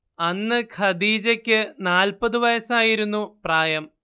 അന്ന് ഖദീജക്ക് നാൽപത് വയസ്സായിരുന്നു പ്രായം